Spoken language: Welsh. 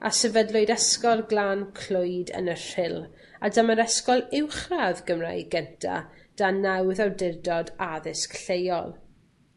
a sefydlwyd ysgol Glan Clwyd yn y Rhyl, a dyma'r ysgol uwchradd Gymraeg gynta dan nawdd awdurdod addysg lleol